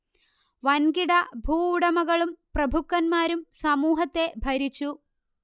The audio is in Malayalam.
വൻകിട ഭൂവുടമകളും പ്രഭുക്കന്മാരും സമൂഹത്തെ ഭരിച്ചു